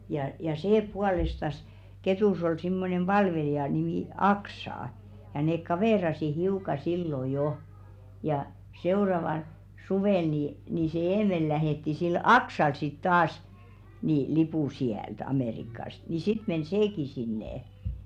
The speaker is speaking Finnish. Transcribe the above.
ja ja se puolestansa Ketussa oli semmoinen palvelija nimi Aksa ja ne kaveerasi hiukan silloin jo ja seuraavalla suvella niin niin se Eemeli lähetti sille Aksalle sitten taas niin lipun sieltä Amerikasta niin sitten meni sekin sinne